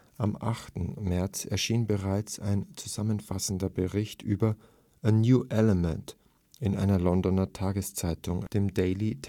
Am 8. März erschien bereits ein zusammenfassender Bericht über ' A new Element ' in einer Londoner Tageszeitung, dem Daily